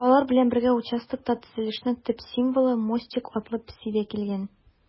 Алар белән бергә участокта төзелешнең төп символы - Мостик атлы песи дә килгән.